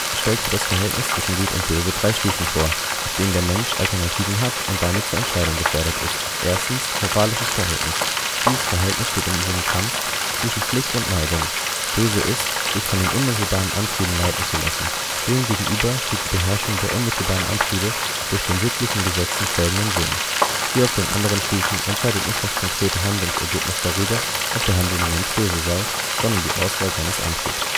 stellt für das Verhältnis zwischen Gut und Böse drei Stufen vor, auf denen der Mensch Alternativen hat und damit zur Entscheidung gefordert ist. Moralisches Verhältnis: Dieses Verhältnis steht im Sinn Kants zwischen Pflicht und Neigung. Böse ist, sich von den unmittelbaren Antrieben leiten zu lassen. Dem gegenüber steht die Beherrschung der unmittelbaren Antriebe durch den sittlichen Gesetzen folgenden Willen. Wie auf den anderen Stufen entscheidet nicht das konkrete Handlungsergebnis darüber, ob der handelnde Mensch böse sei, sondern die Auswahl seines Antriebs